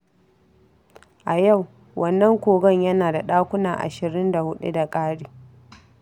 A yau, wannan kogon yana da ɗakuna 24 da ƙari.